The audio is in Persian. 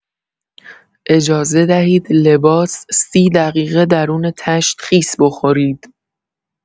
اجازه دهید لباس ۳۰ دقیقه درون تشت خیس بخورید.